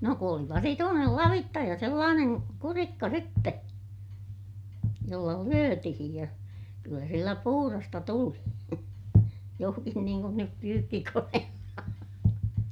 no kun oli vasituinen lavitsa ja sellainen kurikka sitten jolla lyötiin ja kyllä sillä puhdasta tuli johonkin niin kuin nyt pyykkikoneella